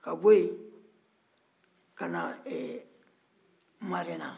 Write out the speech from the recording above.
ka bɔ yen ka na ɛ marena